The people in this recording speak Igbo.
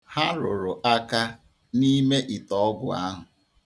Ha rụrụ aka n'ime ite ọgwụ ahụ.